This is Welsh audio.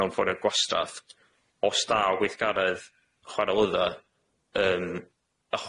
mewnforio gwastraff os daw gweithgaredd chwarelydda yym